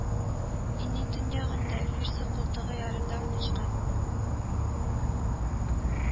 Илнең төньягында, Ферсы култыгы ярында урнашкан